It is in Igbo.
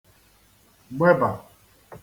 gbebà